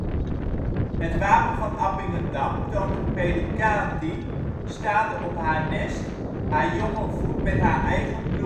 Het wapen van Appingedam toont een pelikaan die, staande op haar nest, haar jongen voedt met haar eigen